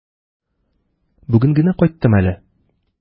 Бүген генә кайттым әле.